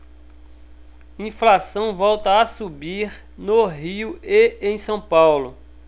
inflação volta a subir no rio e em são paulo